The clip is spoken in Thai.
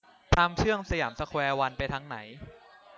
ทางเชื่อมสยามสแควร์วันไปทางไหน